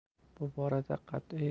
bu borada qat'iy